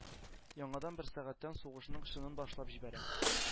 Яңадан бер сәгатьтән сугышның чынын башлап җибәрә.